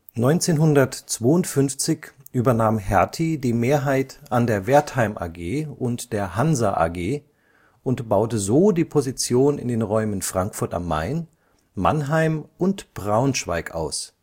1952 übernahm Hertie die Mehrheit an der „ Wertheim AG “und der „ Hansa AG “und baute so die Position in den Räumen Frankfurt am Main, Mannheim und Braunschweig (Neubau 1954) aus